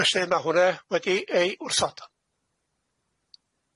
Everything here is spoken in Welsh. Felly ma' hwnne wedi ei wrthod.